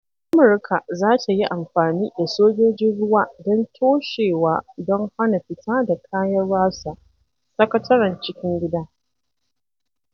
Amurka za ta yi amfani da sojojin ruwa don "toshewa" don hana fita da kayan Rasa - Sakataren Cikin Gida